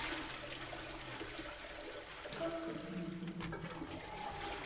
как обидно